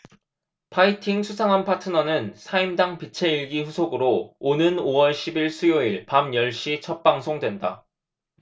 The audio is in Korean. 파이팅 수상한 파트너는 사임당 빛의 일기 후속으로 오는 오 월 십 일 수요일 밤 열 시 첫 방송된다